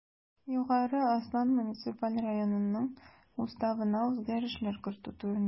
Югары Ослан муниципаль районынның Уставына үзгәрешләр кертү турында